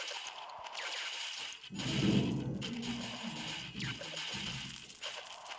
не мой маленький